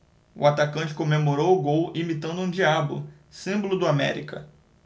o atacante comemorou o gol imitando um diabo símbolo do américa